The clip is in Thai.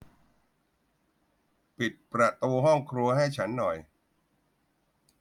ปิดประตูห้องครัวให้ฉันหน่อย